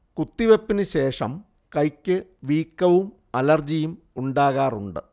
കുത്തിവെപ്പിനു ശേഷം കൈക്ക് വീക്കവും അലർജിയും ഉണ്ടാകാറുണ്ട്